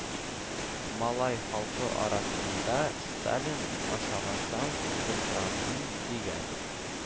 Малай халкы арасында «Сталин, ашамасаң, кыстамыйм» дигән